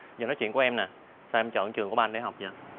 giờ nói chuyện của em nè sao em chọn trường của ba anh để học vậy